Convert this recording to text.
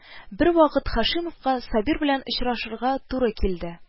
Бервакыт Һашимовка Сабир белән очрашырга туры килде